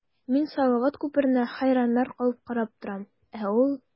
Мин салават күперенә хәйраннар калып карап торам, ә ул...